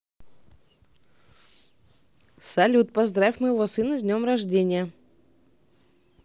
салют поздравь моего сына с днем рождения